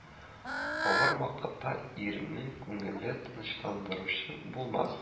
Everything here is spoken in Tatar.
Авыр вакытта иренең күңелен тынычландыручы булмас